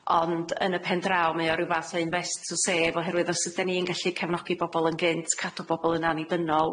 Ond yn y pen draw, mae o ryw fath o invest to save oherwydd os ydan ni'n gallu cefnogi bobol yn gynt, cadw bobol yn annibynnol,